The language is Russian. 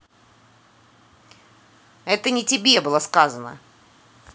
это не тебе было сказано